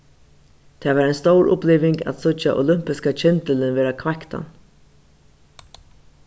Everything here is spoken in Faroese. tað var ein stór uppliving at síggja olympiska kyndilin verða kveiktan